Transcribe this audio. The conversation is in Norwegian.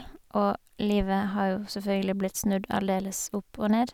Og livet har jo selvfølgelig blitt snudd aldeles opp og ned.